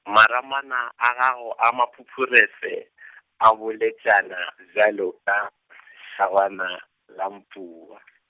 maramana a gago a mapupuruse , a boletšana bjalo ka , segwana la mpua.